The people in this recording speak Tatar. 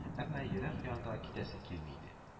Әмма ерак янындагы китәсе килми иде